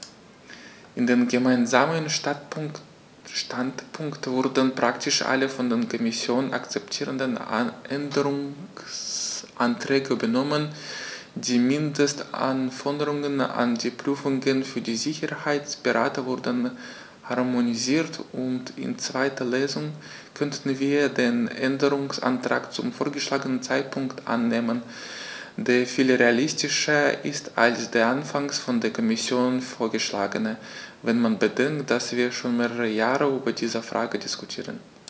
In den gemeinsamen Standpunkt wurden praktisch alle von der Kommission akzeptierten Änderungsanträge übernommen, die Mindestanforderungen an die Prüfungen für die Sicherheitsberater wurden harmonisiert, und in zweiter Lesung können wir den Änderungsantrag zum vorgeschlagenen Zeitpunkt annehmen, der viel realistischer ist als der anfangs von der Kommission vorgeschlagene, wenn man bedenkt, dass wir schon mehrere Jahre über diese Frage diskutieren.